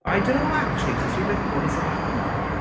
I don't know acshyli achos fi byth 'di bod yn y sefyllfa 'na.